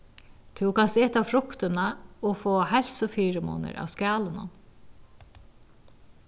tú kanst eta fruktina og fáa heilsufyrimunir av skalinum